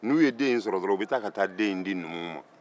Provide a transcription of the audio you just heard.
n'u ye denw sɔrɔ dɔrɔn u bɛ taa ka taa den in di numuw ma